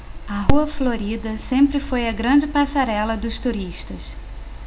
a rua florida sempre foi a grande passarela dos turistas